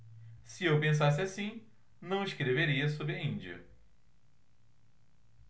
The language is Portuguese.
se eu pensasse assim não escreveria sobre a índia